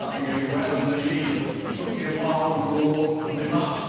A chi'n gallu weld yn y llun trwcie mawr o glo yn myn' mas.